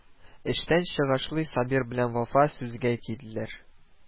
Эштән чыгышлый, Сабир белән Вафа сүзгә килделәр: